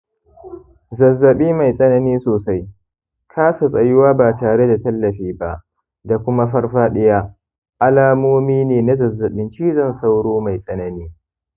zazzaɓi mai tsanani sosai, kasa tsayuwa ba tare da tallafi ba, da kuma farfaɗiya alamomi ne na zazzaɓin cizon sauro mai tsanani.